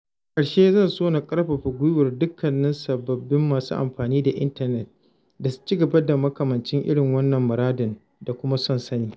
A ƙarshe, zan so na ƙarfafa gwiwar dukkanin sababbin masu amfani da intanet da su ci gaba da makamancin irin wannan muradin da kuma son sani.